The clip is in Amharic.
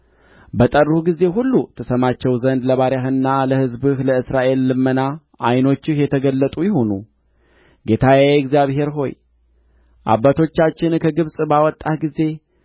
በጠሩህ ጊዜ ሁሉ ትሰማቸው ዘንድ ለባሪያህና ለሕዝብህ ለእስራኤል ልመና ዓይኖችህ የተገለጡ ይሁኑ ጌታዬ እግዚአብሔር ሆይ አባቶቻችንን ከግብጽ ባወጣህ ጊዜ